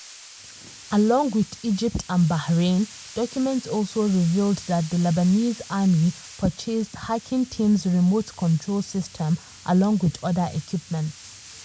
Along with Egypt and Bahrain, documents also revealed that the Lebanese Army purchased Hacking Team's Remote Control System, along with other equipment.